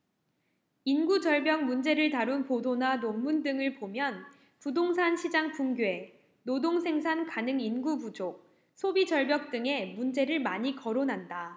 인구절벽 문제를 다룬 보도나 논문 등을 보면 부동산시장 붕괴 노동생산 가능인구 부족 소비절벽 등의 문제를 많이 거론한다